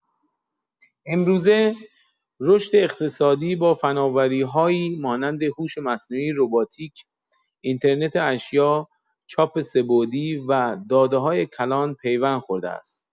امروزه، رشد اقتصادی با فناوری‌هایی مانند هوش مصنوعی، روباتیک، اینترنت اشیا، چاپ سه‌بعدی و داده‌های کلان پیوند خورده است.